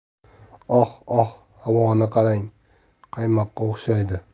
oh oh havoni qarang qaymoqqa o'xshaydi